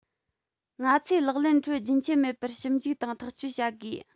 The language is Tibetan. ང ཚོས ལག ལེན ཁྲོད རྒྱུན ཆད མེད པར ཞིབ འཇུག དང ཐག གཅོད བྱ དགོས